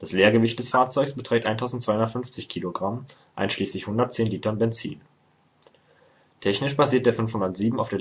Leergewicht des Fahrzeugs beträgt 1250 kg (einschließlich 110 Litern Benzin). Technisch basiert der 507 auf